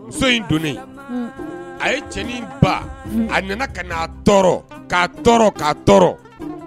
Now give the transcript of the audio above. Muso in donnen unn a ye cɛnin baa hunn a nana kan'a tɔɔrɔ k'a tɔɔrɔ k'a tɔɔrɔ